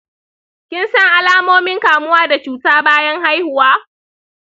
kin san alamomin kamuwa da cuta bayan haihuwa?